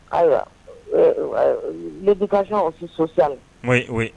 Ayiwa ne bɛ kasɔn si sosi